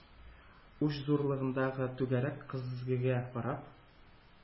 Уч зурлыгындагы түгәрәк көзгегә карап